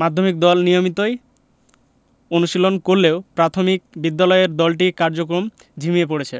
মাধ্যমিক দল নিয়মিত অনুশীলন করলেও প্রাথমিক বিদ্যালয়ের দলটির কার্যক্রম ঝিমিয়ে পড়েছে